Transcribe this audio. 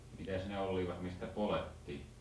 mitäs ne olivat mistä poljettiin